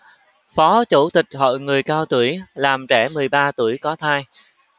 phó chủ tịch hội người cao tuổi làm trẻ mười ba tuổi có thai